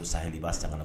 Saya i b'a sama